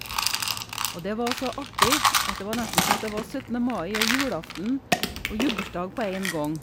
Og det var så artig at det var nesten sånn at det var syttende mai og julaften og gebursdag på en gang.